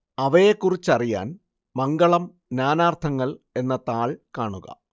അവയെക്കുറിച്ചറിയാൻ മംഗളം നാനാർത്ഥങ്ങൾ എന്ന താൾ കാണുക